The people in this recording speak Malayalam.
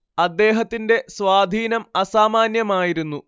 അദ്ദേഹത്തിന്റെ സ്വാധീനം അസാമാന്യമായിരുന്നു